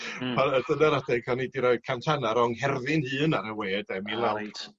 canu 'di roi cantanna ro'n ngherddin hun ar y we 'de mil naw